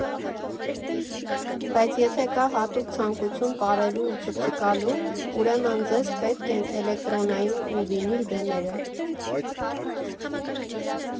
Բայց եթե կա հատուկ ցանկություն պարելու ու ցկցկալու, ուրեմն ձեզ պետք են Էլեկտրոնային ու Վինիլ բեմերը։